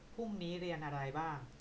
พรุ่งนี้เรียนอะไรบ้าง